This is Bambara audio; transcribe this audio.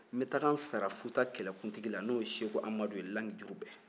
an bɛ taga n sara futa kɛlɛkuntigi la n'o ye seko amadu ye lang jurubɛ